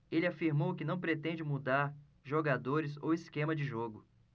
ele afirmou que não pretende mudar jogadores ou esquema de jogo